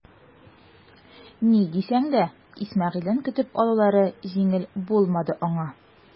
Ни дисәң дә Исмәгыйлен көтеп алулары җиңел булмады аңа.